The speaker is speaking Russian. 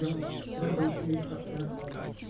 - Ну да, рабочие их так прозвали.